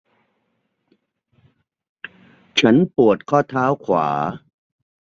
ฉันปวดข้อเท้าขวา